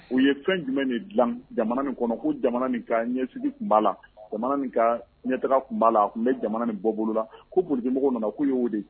U ye fɛn jumɛn nin dila jamana min kɔnɔ ko jamana ka ɲɛ sugu tun b'a la ka ɲɛtaa tun b'a la tun bɛ jamana ni bɔ bolola ko burumɔgɔ nana k'u ye' o de